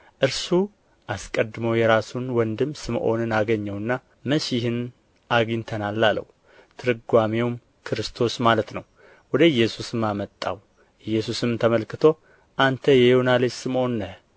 እርሱ አስቀድሞ የራሱን ወንድም ስምዖንን አገኘውና መሢሕን አግኝተናል አለው ትርጓሜውም ክርስቶስ ማለት ነው ወደ ኢየሱስም አመጣው ኢየሱስም ተመልክቶ አንተ የዮና ልጅ ስምዖን ነህ